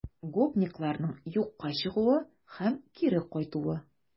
Гопникларның юкка чыгуы һәм кире кайтуы